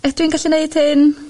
ydw i'n gallu neud hyn?